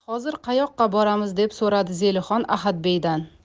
hozir qayoqqa boramiz deb so'radi zelixon ahadbeydan